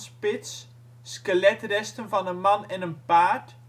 Skeletresten van een man en een paard